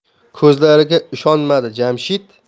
ko'zlariga ishonmadi jamshid